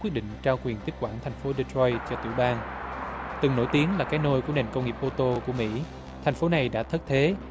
quyết định trao quyền tiếp quản thành phố đê troi cho tiểu bang từng nổi tiếng là cái nôi của nền công nghiệp ô tô của mỷ thành phố này đã thất thế